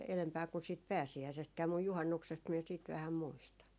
edempänä kuin siitä pääsiäisestäkään mutta juhannuksesta minä sitten vähän muistan